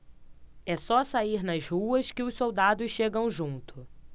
é só sair nas ruas que os soldados chegam junto